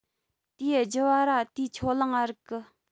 དེའི རྒྱུ བ ར ཏིས ཆོ ལང ང རིག གི